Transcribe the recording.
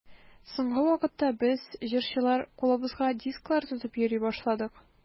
Соңгы вакытта без, җырчылар, кулыбызга дисклар тотып йөри башладык.